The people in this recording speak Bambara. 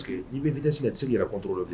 I bɛi sigi ka sigira kɔn tɔgɔ la